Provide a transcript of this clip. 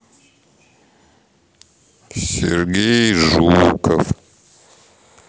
сергей жуков